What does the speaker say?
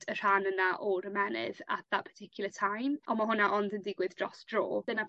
y rhan yna o'r ymennydd at that particular time. On' ma' hwnna ond yn digwydd dros dro. Dyna